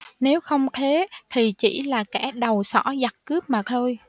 nếu không thế thì chỉ là kẻ đầu sỏ giặc cướp mà thôi